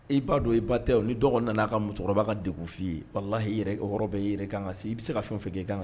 I b'a dɔn i ba tɛ o ni dɔgɔ nana'a ka musokɔrɔba ka de f'i ye wala la'i o yɔrɔ bɛ' yɛrɛ kan ka se i bɛ se ka fɛn fɛ' i kan